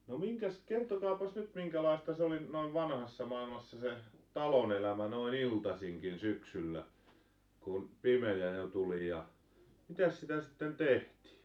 no minkäs kertokaapas nyt minkälaista se oli noin vanhassa maailmassa se talonelämä noin iltaisinkin syksyllä kun pimeä jo tuli ja mitäs sitä sitten tehtiin